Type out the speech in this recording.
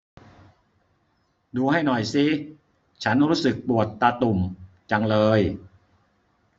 ดูให้หน่อยซิฉันรู้สึกปวดตาตุ่มจังเลย